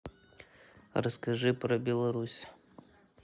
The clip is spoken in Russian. расскажи про беларусь